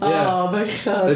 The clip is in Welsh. O bechod!